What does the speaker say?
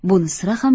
buni sira ham